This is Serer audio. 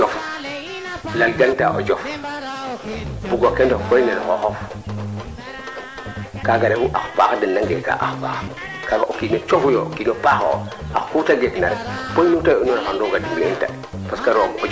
i o fogo commune Diarekh fo ke widna fop maxey ñaxaa nuun rek to yeg na nuun ne ke fop ke fog na maye dara